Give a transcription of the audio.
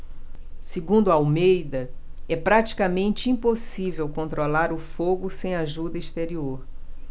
segundo almeida é praticamente impossível controlar o fogo sem ajuda exterior